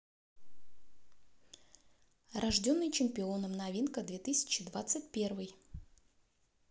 рожденный чемпионом новинка две тысячи двадцать первый